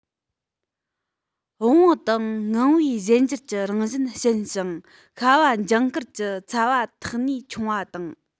བོང བུ དང ངང བའི གཞན འགྱུར གྱི རང བཞིན ཞན ཞིང ཤྭ བ མཇིང དཀར གྱི ཚ བ ཐེགས ནུས ཆུང བ དང